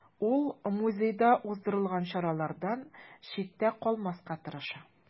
Ул музейда уздырылган чаралардан читтә калмаска тырыша.